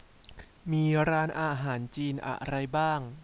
มีร้านอาหารจีนอะไรบ้าง